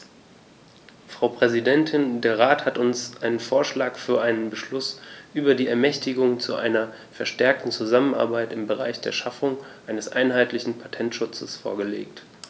Frau Präsidentin, der Rat hat uns einen Vorschlag für einen Beschluss über die Ermächtigung zu einer verstärkten Zusammenarbeit im Bereich der Schaffung eines einheitlichen Patentschutzes vorgelegt.